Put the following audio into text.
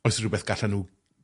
oes 'na rwbeth gallan nw